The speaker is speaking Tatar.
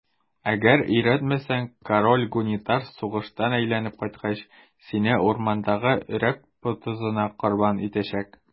Әгәр өйрәтмәсәң, король Гунитар сугыштан әйләнеп кайткач, сине урмандагы Өрәк потыгызга корбан итәчәк.